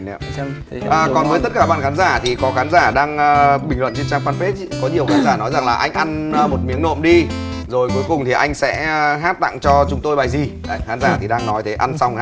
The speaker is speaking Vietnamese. à còn với tất cả các bạn khán giả thì có khán giả đang bình luận trên trang phan pết có nhiều khán giả nói rằng là anh ăn một miếng nộm đi rồi cuối cùng thì anh sẽ hát tặng cho chúng tôi bài gì đấy khán giả thì đang nói thế ăn xong